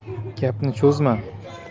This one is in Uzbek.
gapni cho'zma